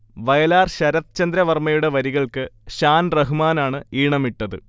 വയലാർ ശരത്ചന്ദ്ര വർമയുടെ വരികൾക്ക് ഷാൻ റഹ്മാനാണ് ഈണമിട്ടത്